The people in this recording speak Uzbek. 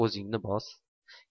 o'ziyni bos